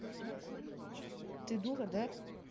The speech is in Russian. ты дура da